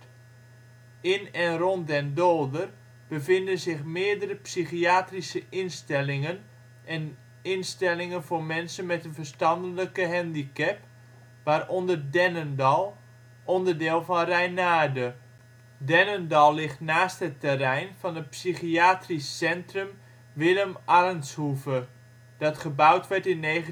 In en rond Den Dolder bevinden zich meerdere psychiatrische instellingen en instellingen voor mensen met een verstandelijk handicap, waaronder Dennendal, onderdeel van Reinaerde. Dennendal ligt naast het terrein van het psychiatrisch centrum Willem Arntsz Hoeve, dat gebouwd werd in 1906